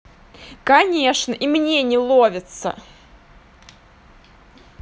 конечно и мне не ловится